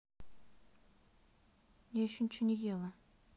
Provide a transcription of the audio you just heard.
я еще ничего не ела